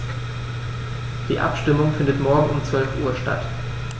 Die Abstimmung findet morgen um 12.00 Uhr statt.